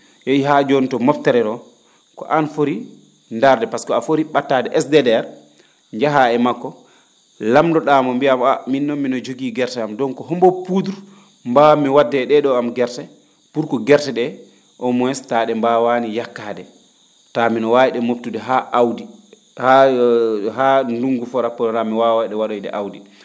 yahii haa jooni to moftere roo ko aan fori ndaarde par ce que a fori ?attaade SDDR njahaa e makko lamndoaa mbo mbiyaa mbo a miin noon mino jogii gere am donc homboo poudre mbaawatmi wa?de e ?ee ?oo am gerse pour que gerse ?ee au moins taa ?e mbaawaani yakkaade taa mino waawi ?e mobtude haa aawdi haa haa ndunngu fora pour fra: raa mii waawa ?e wa?oyde aawdi